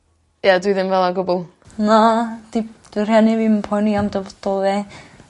I dwi ddim fel 'a o gwbwl. Na 'di dyw rheni fi 'im yn poeni am dyfodol fi.